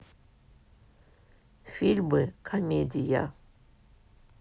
фильмы комедия